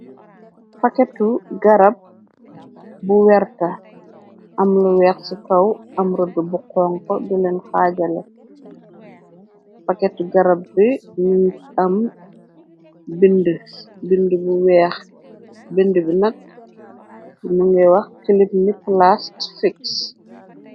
Paketu garab bu werta am lu weex ci kaw am rudd bu xonko dileen xaajale paketu garab bi ni am bind b weex bind bi nak ymu ngay wax kilip niklast fix.